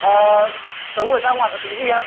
ờ tớ vừa ra ngoài có tí việc